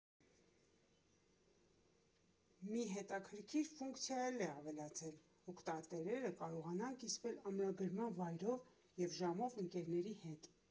Մի հետաքրքիր ֆունկցիա էլ է ավելացել՝ օգտատերերը կկարողանան կիսվել ամրագրման վայրով և ժամով ընկերների հետ։